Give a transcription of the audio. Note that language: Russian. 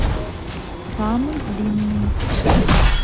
самый длинный